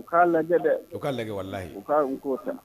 U k'a lajɛ dɛ u ka lajɛwalela u k' u k'o ta